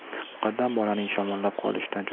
muqaddam bolaning shamollab qolishidan cho'chib